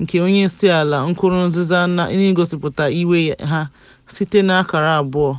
nke onyeisiala Nkurunziza n'ịgosipụta iwe ha site n'akara abụọ.